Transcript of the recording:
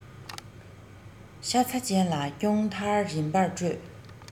ཤ ཚ ཅན ལ སྐྱོང མཐར རིམ པར སྤྲོད